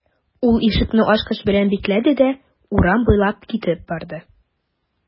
Ул ишекне ачкыч белән бикләде дә урам буйлап китеп барды.